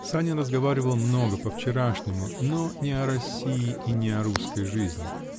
Санин разговаривал много, по-вчерашнему, но не о России и не о русской жизни.